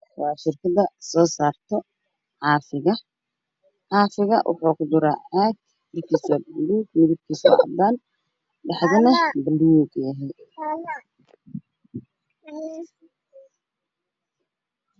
Waa shirkadda soo saarto caafimaad caafiga wuxuu ku jira caagad caasiga gaduud caagada xiriirkeedu waa buluu kartaanku waa cagaar